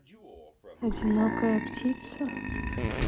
одинокая птица